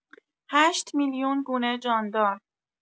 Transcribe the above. ۸ میلیون گونه جاندار